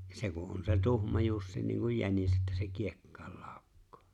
ja se kun on se tuhma jussi niin kuin jänis että se kiekkaan laukkaa